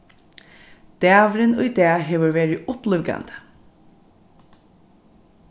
dagurin í dag hevur verið upplívgandi